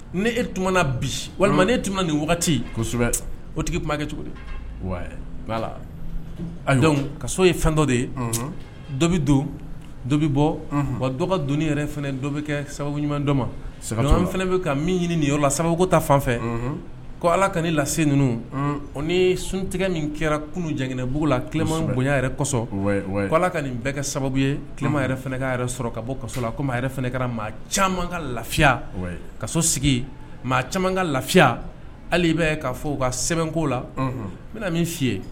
Ni e tun na bi walima ne tun ma nin wagati kosɛbɛ o tigi kumakɛ cogo di ka so ye fɛn dɔ de ye dɔ bɛ don dɔ bɛ bɔ wa dɔgɔ doni dɔ bɛ kɛ sababu ɲuman dɔ ma saba ɲuman fana bɛ ka min ɲini nin yɔrɔ la sababuko ta fan fɛ ko ala ka ne lase ninnu o suntigɛ min kɛra kununjɛ bugula tilema bonya yɛrɛ kɔsɔn ala ka nin bɛɛ kɛ sababu yema fanakan yɛrɛ sɔrɔ ka bɔ ka la ko yɛrɛ kɛra mɔgɔ caman ka lafiya ka so sigi maa caman ka lafiya hali bɛ ka fɔ ka sɛbɛnko la n bɛna min f'i ye